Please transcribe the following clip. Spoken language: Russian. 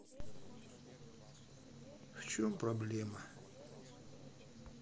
в чем проблема